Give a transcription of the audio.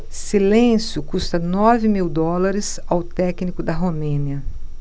silêncio custa nove mil dólares ao técnico da romênia